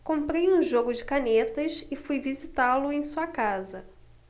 comprei um jogo de canetas e fui visitá-lo em sua casa